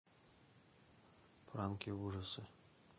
пранки ужасы